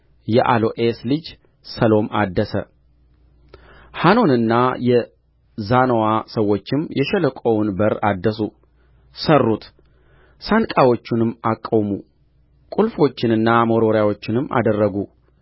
የአሎኤስ ልጅ ሰሎም አደሰ ሐኖንና የዛኖዋ ሰዎችም የሸለቆውን በር አደሱ ሠሩት ሳንቃዎቹንም አቆሙ ቍልፎቹንና መወርወሪያዎቹንም አደረጉ